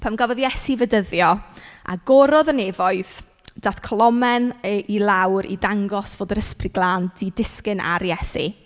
Pan gafodd Iesu ei fedyddio, agorodd y nefoedd, daeth colomen yy i lawr i dangos fod yr Ysbryd Glân 'di disgyn ar Iesu.